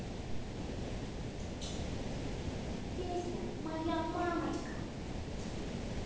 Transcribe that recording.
песня моя мамочка